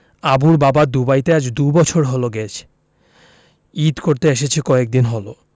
আবুর বাবা দুবাইতে আজ দুবছর হলো গেছে ঈদ করতে এসেছে কয়েকদিন হলো